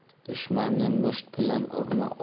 dushmanni musht bilan